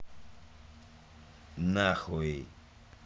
нахуй